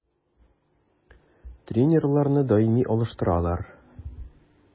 Тренерларны даими алыштыралар.